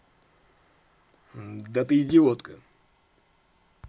да ты идиотка